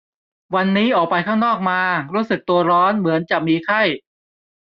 วันนี้ออกไปข้างนอกมารู้สึกตัวร้อนเหมือนจะมีไข้